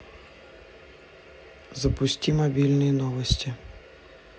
запусти мобильные новости